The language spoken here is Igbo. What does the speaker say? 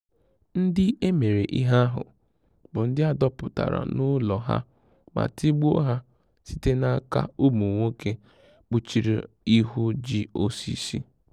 Ndị e mere ihe ahụ bụ ndị a dọpụtara n'ụlọ ha ma tigbuo ha site n'aka ụmụ nwoke kpuchiri ihu ji osisi.